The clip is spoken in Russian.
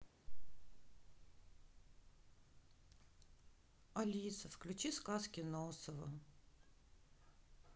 алиса включи сказки носова